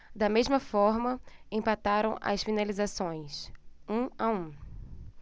da mesma forma empataram nas finalizações um a um